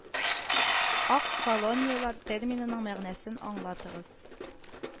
Ак колониялар терминының мәгънәсен аңлатыгыз